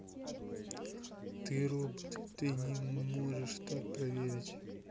ты робот ты не можешь так проверить